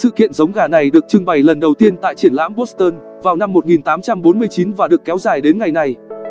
sự kiện giống gà này được trưng bày lần đầu tiên tại triển lãm boston vào năm và được kéo dài đến ngày nay